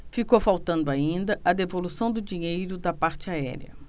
ficou faltando ainda a devolução do dinheiro da parte aérea